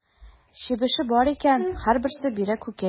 Чебеше бар икән, һәрберсе бирә күкәй.